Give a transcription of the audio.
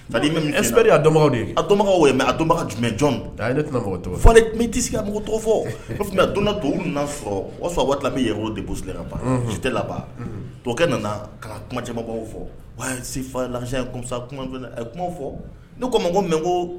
A jumɛn jɔn tɛ se ka mɔgɔw tɔgɔ fɔ tun donna to min fɔ o fa tila bɛ de bu ban futa tɛ laban tɔkɛ nana ka kumacɛmabaw fɔ wafa ye laya yesa kuma fɔ n ko ko mɛ ko